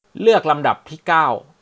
เลือกลำดับที่เก้า